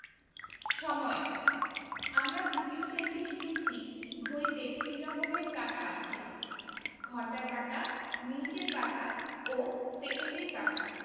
সময়ঃ আমরা ২য় শ্রেণিতে শিখেছি ঘড়িতে ৩ রকমের কাঁটা আছে ঘণ্টার কাঁটা মিনিটের কাঁটা ও সেকেন্ডের কাঁটা